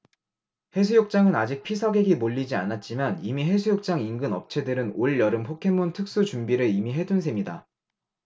해수욕장은 아직 피서객이 몰리지 않았지만 이미 해수욕장 인근 업체들은 올 여름 포켓몬 특수 준비를 이미 해둔 셈이다